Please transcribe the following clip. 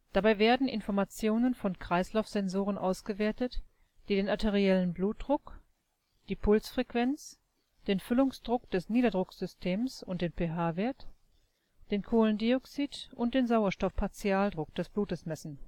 Dabei werden Informationen von Kreislaufsensoren ausgewertet, die den arteriellen Blutdruck, die Pulsfrequenz, den Füllungsdruck des Niederdrucksystems und den pH-Wert, Kohlendioxid - und Sauerstoff-Partialdruck des Blutes messen